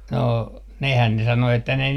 no nehän ne sanoi että ne